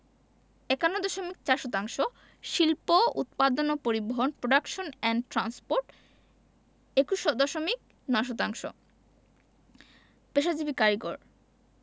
৫১ দশমিক ৪ শতাংশ শিল্প উৎপাদন ও পরিবহণ প্রোডাকশন এন্ড ট্রান্সপোর্ট ২১ দশমিক ৯ শতাংশ পেশাজীবী কারিগর